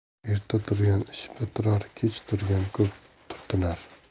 erta turgan ish bitirar kech turgan ko'p turtinar